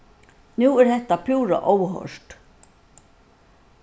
nú er hetta púra óhoyrt